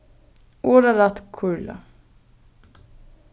orðarætt kurla